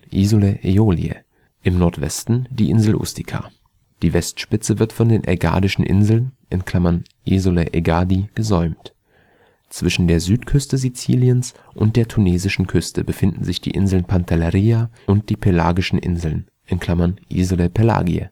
Isole Eolie), im Nordwesten die Insel Ustica. Die Westspitze wird von den Ägadischen Inseln (Isole Egadi) gesäumt. Zwischen der Südküste Siziliens und der tunesischen Küste befinden sich die Insel Pantelleria und die Pelagischen Inseln (Isole Pelagie